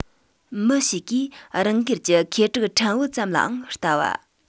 མི ཞིག གིས རང སྒེར གྱི ཁེ གྲགས ཕྲན བུ ཙམ ལའང ལྟ བ